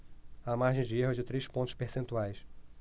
a margem de erro é de três pontos percentuais